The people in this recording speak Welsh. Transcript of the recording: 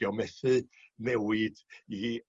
'di o methu newid i